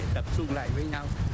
tập trung lại với nhau